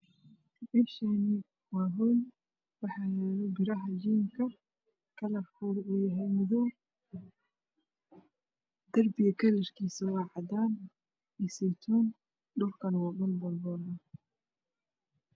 Meshaani waa hool waxaa yaalo birah jimak kalarkoodu uu yahay madow darbiga kalarkiisa waa cadaan iyo seytuun dhulakani waa dhul bor bor ah